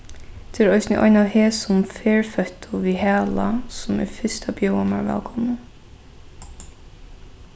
tað er eisini ein av hesum ferføttu við hala sum er fyrst at bjóða mær vælkomnum